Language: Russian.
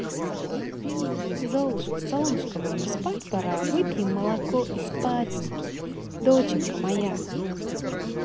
золушка солнышко мое спать пора выпьем молоко из патинки доченька моя